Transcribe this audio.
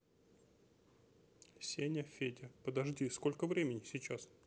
сеня федя подожди сколько времени сейчас